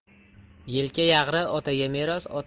yelka yag'ri otaga meros